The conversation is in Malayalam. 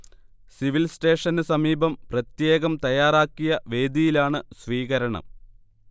സിവിൽ സേ്റ്റഷന് സമീപം പ്രത്യേകം തയ്യാറാക്കിയ വേദിയിലാണ് സ്വീകരണം